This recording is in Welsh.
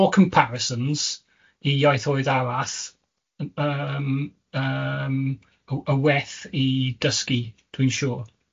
the more comparisons i iaithoedd arall, y- yym yym, yw- y weth i dysgu, dwi'n siŵr.